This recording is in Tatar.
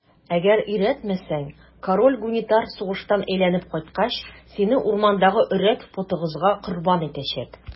Әгәр өйрәтмәсәң, король Гунитар сугыштан әйләнеп кайткач, сине урмандагы Өрәк потыгызга корбан итәчәк.